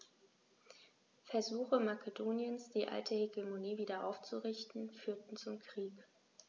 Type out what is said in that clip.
Versuche Makedoniens, die alte Hegemonie wieder aufzurichten, führten zum Krieg.